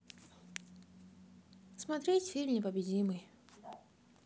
смотреть фильм непобедимый